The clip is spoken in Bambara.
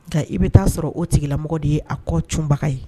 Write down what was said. Nka i bɛ taa sɔrɔ o tigilamɔgɔ de ye a kɔ cbaga ye